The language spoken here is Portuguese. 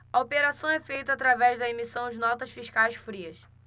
a operação é feita através da emissão de notas fiscais frias